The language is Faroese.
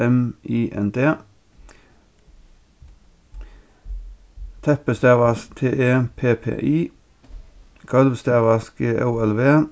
m i n d teppi stavast t e p p i gólv stavast g ó l v